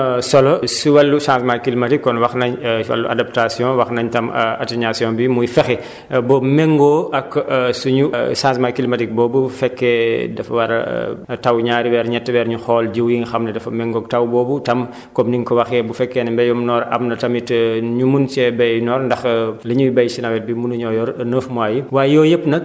loolu am na solo si wàllu changement climatique kon wax nañ fan la adaptation wax nañ tam atténuation bi muy fexe ba mu méngoo ak suñu changement climatique boobu bu fekkee dafa war a taw ñaari weer ñetti weer ñu xool kiw yi nga xam ne dafa méngooak taw boobutam comme ni nga ko waxee bu fekkee ni mbéyum noor am na tamit ñu mun see béy noor ndax li ñuy béy si nawet bi mun nañoo yor neuf mois yi